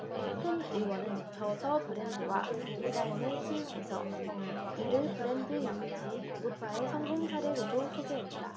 손 의원은 저서 브랜드와 디자인의 힘 에서 이를 브랜드 이미지 고급화의 성공 사례로도 소개했다